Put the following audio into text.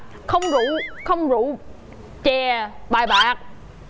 không rượu không rượu chè bài bạc